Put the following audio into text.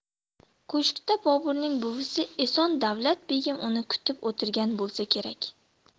ko'shkda boburning buvisi eson davlat begim uni kutib o'tirgan bo'lsa kerak